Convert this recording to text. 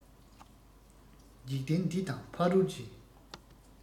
འཇིག རྟེན འདི དང ཕ རོལ གྱི